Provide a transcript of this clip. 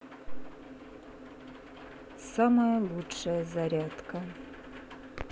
самая лучшая зарядка